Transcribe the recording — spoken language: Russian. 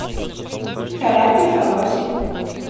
характер хороший